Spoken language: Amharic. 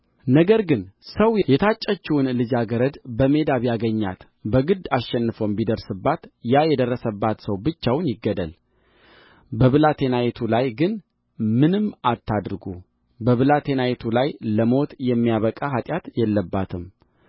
ነገር ግን ሰው የታጨችውን ልጃገረድ በሜዳ ቢያገኛት በግድ አሸንፎም ቢደርስባት ያ የደረሰባት ሰው ብቻውን ይገደል በብላቴናይቱ ላይ ግን ምንም አታድርጉ በብላቴናይቱ ላይ ለሞት የሚያበቃ ኃጢአት የለባትም